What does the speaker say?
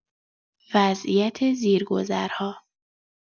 وضعیت زیرگذرها